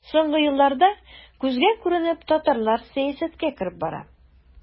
Соңгы елларда күзгә күренеп татарлар сәясәткә кереп бара.